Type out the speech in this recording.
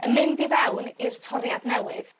yn mynd i fewn i'r toriad newydd